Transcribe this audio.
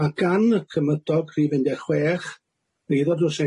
Ma' gan y cymydog rhif un deg chwech ddydd o drws